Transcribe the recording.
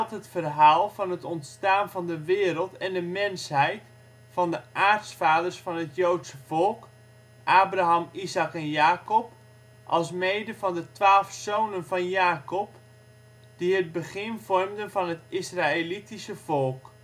het verhaal van het ontstaan van de wereld en de mensheid, van de aartsvaders van het Joodse volk - Abraham, Izaäk en Jakob - alsmede van de twaalf zonen van Jakob die het begin vormden van het Israëlitische volk